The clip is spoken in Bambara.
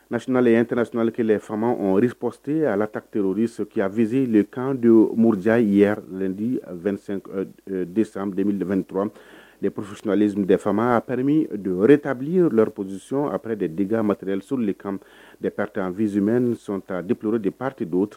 Nsinala ntsinali kelen fama pste ala tater riskiya vze dekan de mud ye di 2 de sanbilen0 20 dɔrɔn de ppsisinare defama apreme tabi larepsion apre de dkkan marelisuru de kan depte2zme nisɔn tan depur de pprite dɔw